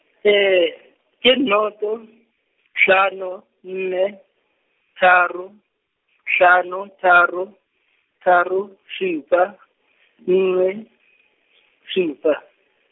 ke noto, hlano, nne, tharo, hlano, tharo, tharo, supa , nngwe, supa.